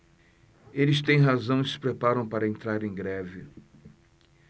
eles têm razão e se preparam para entrar em greve